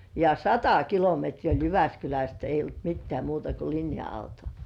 ja sata kilometriä oli Jyväskylästä ei ollut mitään muuta kuin linja-auto